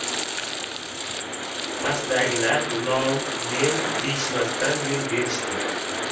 pastdagilar lom mim deyishmasdan yo'l berishdi